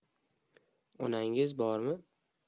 onangiz bormi